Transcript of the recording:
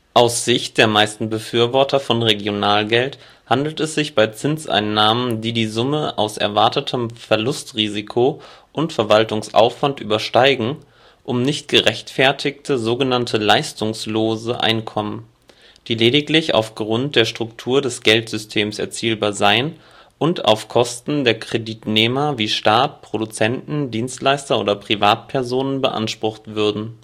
Aus Sicht der meisten Befürworter von Regionalgeld handelt es sich bei Zinseinnahmen, die die Summe aus erwartetem Verlustrisiko und Verwaltungsaufwand übersteigen, um nicht gerechtfertigte sogenannte " leistungslose Einkommen ", die lediglich auf Grund der Struktur des Geldsystems erzielbar seien und auf Kosten der Kreditnehmer wie Staat, Produzenten, Dienstleister oder Privatpersonen beansprucht würden